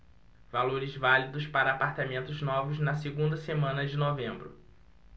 valores válidos para apartamentos novos na segunda semana de novembro